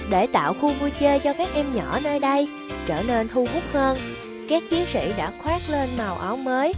để tạo khu vui chơi cho các em nhỏ nơi đây trở nên thu hút hơn các chiến sĩ đã khoác lên mới